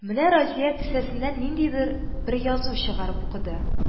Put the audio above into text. Менә Разия кесәсеннән ниндидер бер язу чыгарып укыды